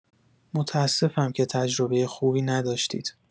متاسفم که تجربه خوبی نداشتید.